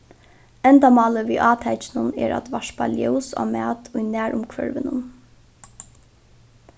endamálið við átakinum er at varpa ljós á mat í nærumhvørvinum